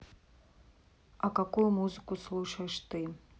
а какую музыку слушаешь ты